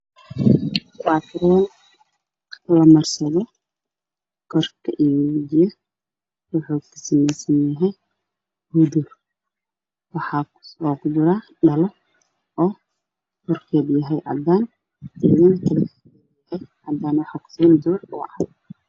Waa kareen ay dumarka isku cadeeyaan waxaa adiga yaalo kartoonkiisa waxaa ku sugan naak wejigeeda